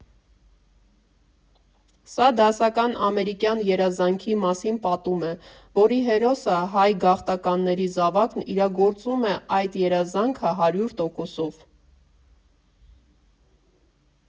Սա դասական «ամերիկյան երազանքի» մասին պատում է, որի հերոսը՝ հայ գաղթականների զավակն իրագործում է այդ երազանքը հարյուր տոկոսով։